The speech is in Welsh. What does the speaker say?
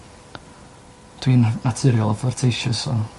Dwi'n naturiol flirtatious so...